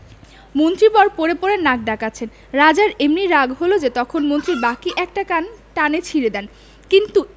মন্ত্রীবর পড়ে পড়ে নাক ডাকাচ্ছেন রাজার এমনি রাগ হল যে তখনি মন্ত্রীর বাকি কানটা এক টানে ছিড়ে দেন কিন্তু